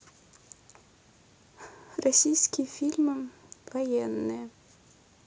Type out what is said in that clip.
российские фильмы военные